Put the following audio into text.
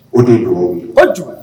O de don, kojugu